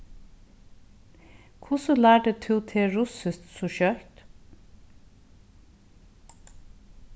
hvussu lærdi tú teg russiskt so skjótt